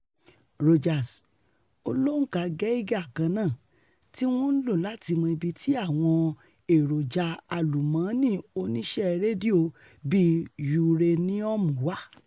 Rogers: ''Olóǹkà Geiger kan ni, tíwọn ńlò latí mọ ibi ti àwọn èròja àlùmọ́ọ̀nì oníṣẹ́rédíò, bíi yureniọmu wà.